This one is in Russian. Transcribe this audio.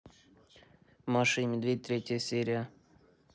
маша и медведь третья серия